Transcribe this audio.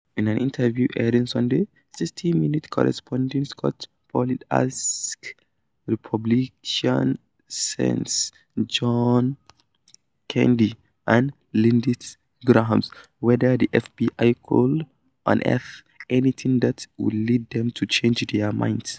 In an interview airing Sunday, "60 Minutes" correspondent Scott Pelley asked Republicans Sens. John Kennedy and Lindsey Graham whether the FBI could unearth anything that would lead them to change their minds.